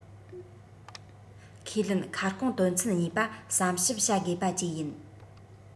ཁས ལེན ཁ སྐོང དོན ཚན གཉིས པ བསམ ཞིབ བྱ དགོས པ བཅས ཡིན